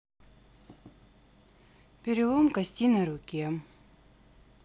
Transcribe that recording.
перелом кости на руке